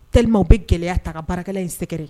Tw bɛ gɛlɛya ta baara in sɛgɛrɛ